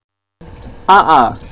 ཨ ཨ